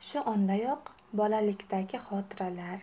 shu ondayoq bolalikdagi xotiralar